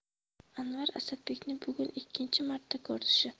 anvar asadbekni bugun ikkinchi marta ko'rishi